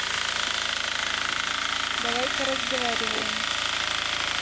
давай поразговариваем